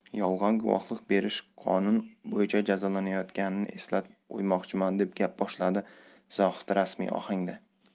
yolg'on guvohlik berish qonun bo'yicha jazolanajagini eslatib qo'ymoqchiman deb gap boshladi zohid rasmiy ohangda